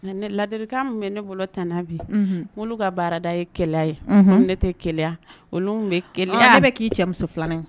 Mɛ ladili bɛ ne bolo tan bi olu ka baarada ye ke ye ne tɛ ke olu bɛ ke a bɛ k'i cɛ muso filanan